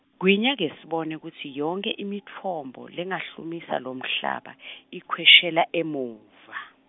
Gwinya ke sibone kutsi yonkhe imitfombo, lengahlumisa lomhlaba , ikhweshela emuva.